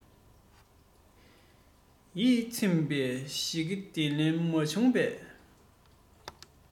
ཡིད ཚིམ པའི ཀི ཞིག འདེབས མཁན མ བྱུང བས